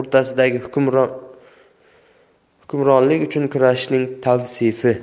o'rtasidagi hukmronlik uchun kurashning tavsifi